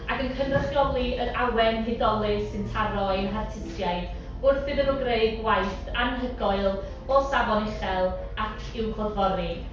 Ac yn cynrychioli yr awen hudolus sy'n taro ein hartistiaid wrth iddyn nhw greu gwaith anhygoel o safon uchel ac i'w clodfori.